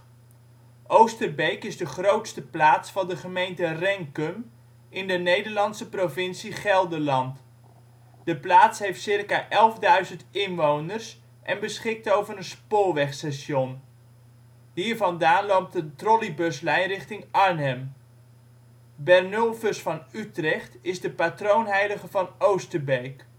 Oosterbeek is de grootste plaats van de gemeente Renkum, in de Nederlandse provincie Gelderland. De plaats heeft circa elfduizend inwoners, en beschikt over een spoorwegstation. Hier vandaan loopt een trolleybuslijn richting Arnhem. Bernulphus van Utrecht is de patroonheilige van Oosterbeek